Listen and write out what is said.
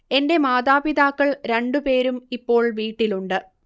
എന്റെ മാതാപിതാക്കൾ രണ്ടുപേരും ഇപ്പോൾ വീട്ടിലുണ്ട്